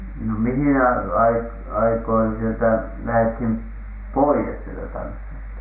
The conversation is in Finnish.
no mihin -- aikoihin sieltä lähdettiin pois sieltä tansseista